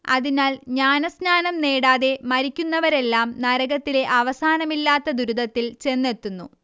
അതിനാൽ ജ്ഞാനസ്നാനം നേടാതെ മരിക്കുന്നവരെല്ലാം നരകത്തിലെ അവസാനമില്ലാത്ത ദുരിതത്തിൽ ചെന്നെത്തുന്നു